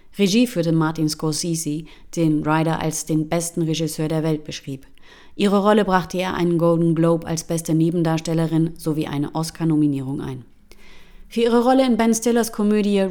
Regie führte Martin Scorsese, den Ryder als „ besten Regisseur der Welt “beschrieb. Ihre Rolle brachte ihr einen Golden Globe als beste Nebendarstellerin sowie eine Oscar-Nominierung ein. Für ihre Rolle in Ben Stillers Komödie Reality